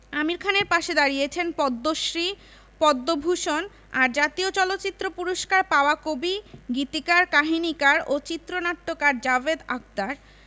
আমির খানের পাশে দাঁড়িয়েছেন পদ্মশ্রী পদ্মভূষণ আর জাতীয় চলচ্চিত্র পুরস্কার পাওয়া কবি গীতিকার কাহিনিকার ও চিত্রনাট্যকার জাভেদ আখতার